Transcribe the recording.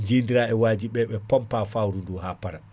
jididar e wajiɓe ɓe pompa fawru ndu ha para